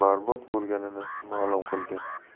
barbod bo'lganini ma'lum qilgan